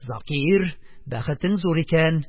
Закир, бәхетең зур икән: